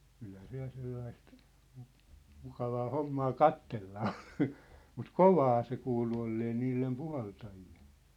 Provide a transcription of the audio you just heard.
kyllähän se ja sellaista - mukavaa hommaa katsella on mutta kovaa se kuului olleen niille puhaltajille